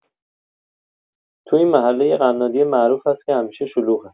تو این محله، یه قنادی معروف هست که همیشه شلوغه.